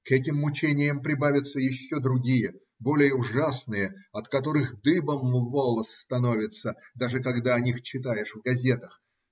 К этим мучениям прибавятся еще другие, более ужасные, от которых дыбом волос становится, даже когда о них читаешь в газетах.